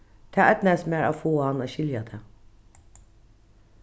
tað eydnaðist mær at fáa hann at skilja tað